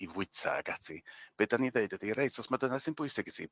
i fwyta ag ati be' 'dan ni'n ddeud ydi reit os ma' dyna sy'n bwysig i ti